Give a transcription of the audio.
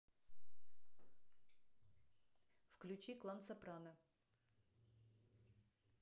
включи клан сопрано